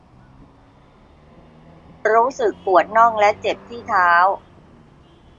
รู้สึกปวดน่องและเจ็บที่เท้า